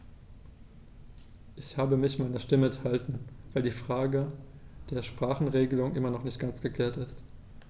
Ich habe mich meiner Stimme enthalten, weil die Frage der Sprachenregelung immer noch nicht ganz geklärt ist.